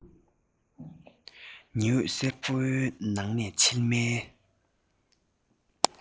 ཉི འོད སེར པོའི ནང ན མཆིལ མའི